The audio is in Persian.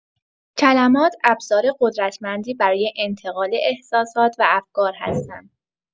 کلمات ابزار قدرتمندی برای انتقال احساسات و افکار هستند.